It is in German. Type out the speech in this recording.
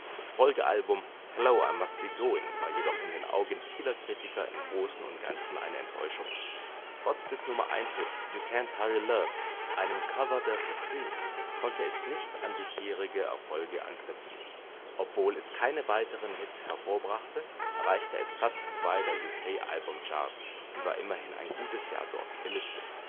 Das Folgealbum Hello, I Must Be Going! war jedoch in den Augen vieler Kritiker im Großen und Ganzen eine Enttäuschung. Trotz des Nummer Eins-Hits You Can't Hurry Love, einem Cover der Supremes, konnte es nicht an bisherige Erfolge anknüpfen. Obwohl es keine weiteren Hits hervorbrachte, erreichte es Platz 2 der UK-Album Charts und war immerhin ein gutes Jahr dort gelistet